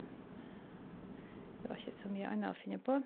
Det var ikke så mye anna å finne på.